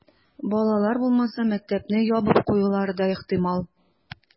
Балалар булмаса, мәктәпне ябып куюлары да ихтимал.